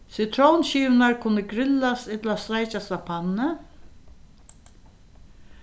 sitrónskivurnar kunnu grillast ella steikjast á pannu